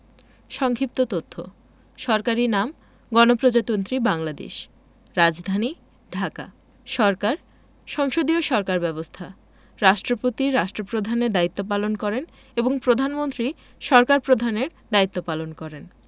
সংক্ষিপ্ত তথ্য সরকারি নামঃ গণপ্রজাতন্ত্রী বাংলাদেশ রাজধানীঃ ঢাকা সরকারঃ সংসদীয় সরকার ব্যবস্থা রাষ্ট্রপতি রাষ্ট্রপ্রধানের দায়িত্ব পালন করেন এবং প্রধানমন্ত্রী সরকার প্রধানের দায়িত্ব পালন করেন